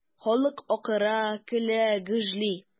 Халык акыра, көлә, гөжли.